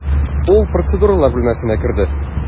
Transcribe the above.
Ул процедуралар бүлмәсенә керде.